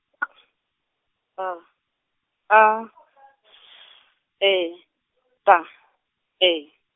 K H A S E T E.